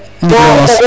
ndigilo